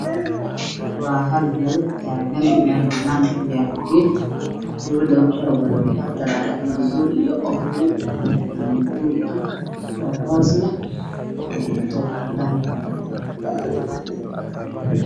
Waa naag waxay qabtaa dhar madow iyo caddaan ah waxaana ka dambeeyey geed qoraalna geeska ayuu ka jiraa